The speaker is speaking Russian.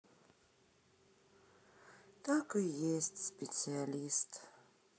так и есть специалист